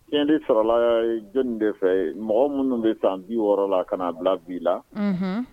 Yandi saralaya jɔn de fɛ mɔgɔ minnu bɛ san bi wɔɔrɔ la ka bila bi la